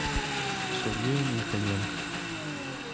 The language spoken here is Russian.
сергей никоненко